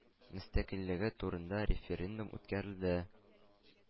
Мөстәкыйльлеге турында референдум үткәрелде.